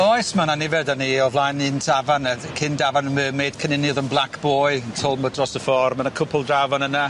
Oes ma' 'na nifer 'dyn ni o flaen un tafarn yy cyn dafarn y Mermaid cyn ynny o'dd yn Black Boy dros y ffor ma' 'ny cwpwl draw fan yna.